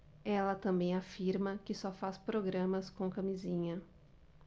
ela também afirma que só faz programas com camisinha